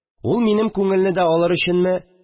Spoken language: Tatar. Ул, минем күңелне дә алыр өченме